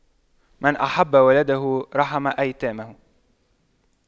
من أحب ولده رحم الأيتام